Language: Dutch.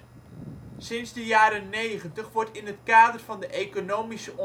Sinds de jaren 90 wordt in het kader van de economische